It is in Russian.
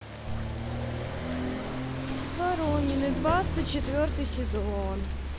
воронины двадцать четвертый сезон